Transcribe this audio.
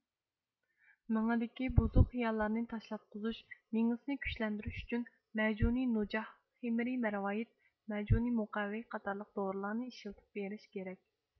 مېڭىدىكى بۇزۇق خىياللارنى تاشلاتقۇزۇش مېڭىسىنى كۈچلەندۈرۈش ئۈچۈن مەجۇنى نۇجاھ خىمىرى مەرۋايىت مەجۇنى مۇقەۋۋى قاتارلىق دورىلارنى ئىشلىتىپ بېرىش كېرەك